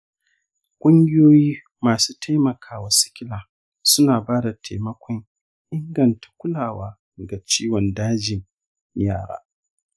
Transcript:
kungiyoyin ma su taimaka wa sikila suna bada taimakon inganta kulawa ga ciwon dajin yara.